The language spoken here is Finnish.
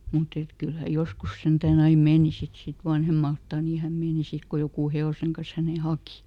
mutta että kyllä hän joskus sentään aina meni sitten sitten vanhemmalta niin hän meni sitten kun joku hevosen kanssa hänen haki